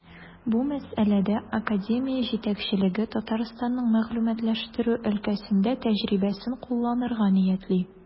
Бу мәсьәләдә академия җитәкчелеге Татарстанның мәгълүматлаштыру өлкәсендә тәҗрибәсен кулланырга ниятли.